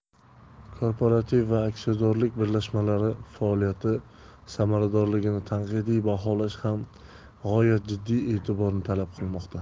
korporativ yoki aksiyadorlik birlashmalari faoliyati samaradorligini tanqidiy baholash ham g'oyat jiddiy e'tiborni talab qilmoqda